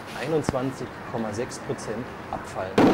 21,6 %) abfallen